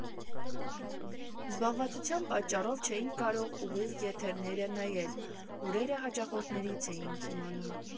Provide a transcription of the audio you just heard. Զբաղվածության պատճառով չէինք կարող ուղիղ եթերները նայել, լուրերը հաճախորդներից էինք իմանում։